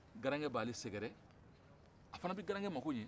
garankɛ b'ale sɛkɛrɛ a fɛnɛ bɛ garankɛ mako ɲa